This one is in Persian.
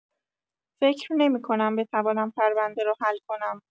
فکر نمی‌کنم بتوانم پرونده را حل کنم.